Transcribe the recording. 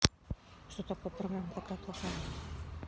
что такое программа такая плохая